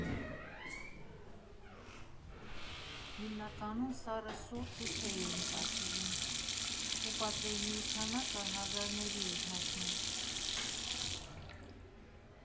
Հիմնականում սառը սուրճ ու թեյ էին պատվիրում, ու պատվերների քանակը հազարների էր հասնում։